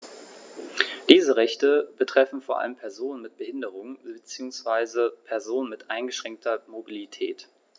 Diese Rechte betreffen vor allem Personen mit Behinderung beziehungsweise Personen mit eingeschränkter Mobilität.